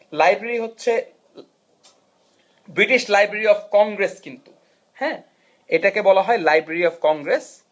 library হচ্ছে British library of Congress কিন্তু হ্যাঁ এটিকে বলা হয় লাইব্রেরি অফ কংগ্রেস